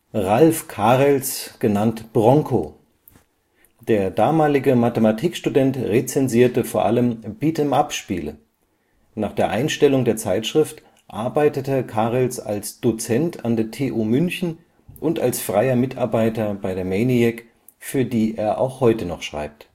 Ralph „ Bronco “Karels Der damalige Mathematikstudent rezensierte vor allem Beat -’ em-up-Spiele. Nach der Einstellung der Zeitschrift arbeitete Karels als Dozent an der TU München und als freier Mitarbeiter bei der Maniac, für die er auch heute noch schreibt